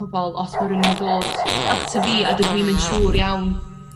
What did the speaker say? pobol os ma' rywun yn dod ata fi a dydw i'm yn siŵr iawn